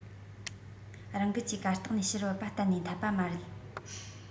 རང འགུལ ཀྱི གར སྟེགས ནས ཕྱིར བུད པ གཏན ནས འཐད པ མ རེད